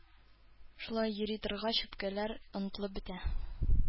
Шулай йөри торгач үпкәләр онытылып бетә.